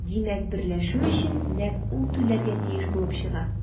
Димәк, берләшү өчен нәкъ ул түләргә тиеш булып чыга.